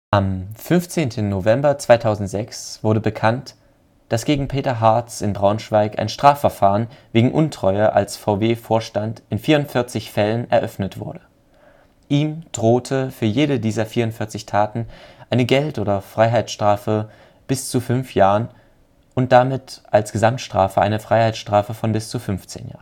Am 15. November 2006 wurde bekannt, dass gegen Peter Hartz in Braunschweig ein Strafverfahren wegen Untreue als VW-Vorstand in 44 Fällen eröffnet wurde. Ihm drohte für jede dieser 44 Taten eine Geld - oder Freiheitsstrafe bis zu 5 Jahren und damit als Gesamtstrafe eine Freiheitsstrafe bis zu 15